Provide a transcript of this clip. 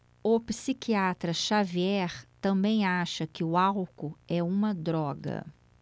o psiquiatra dartiu xavier também acha que o álcool é uma droga